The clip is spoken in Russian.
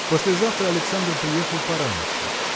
Послезавтра Александр приехал пораньше.